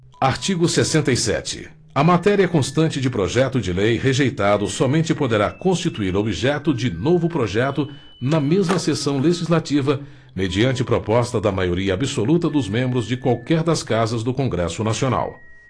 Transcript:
artigo sessenta e sete a matéria constante de projeto de lei rejeitado somente poderá constituir objeto de novo projeto na mesma sessão legislativa mediante proposta da maioria absoluta dos membros de qualquer das casas do congresso nacional